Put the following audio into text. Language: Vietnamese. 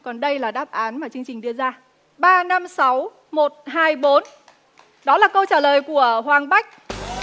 còn đây là đáp án mà chương trình đưa ra ba năm sáu một hai bốn đó là câu trả lời của hoàng bách